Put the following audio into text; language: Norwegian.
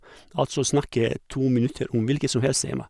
Altså snakke to minutter om hvilket som helst tema.